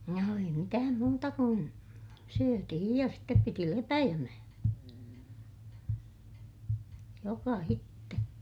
no ei mitään muuta kuin syötiin ja sitten piti lepäämän jokaisen